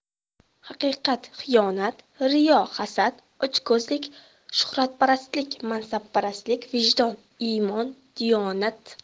haqiqat xiyonat riyo hasad ochko'zlik shuhratparastlik mansabparastlik vijdon imon diyonat